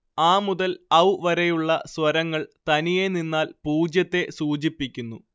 അ മുതൽ ഔ വരെയുള്ള സ്വരങ്ങൾ തനിയേ നിന്നാൽ പൂജ്യത്തെ സൂചിപ്പിക്കുന്നു